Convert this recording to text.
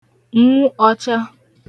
nwu ọcha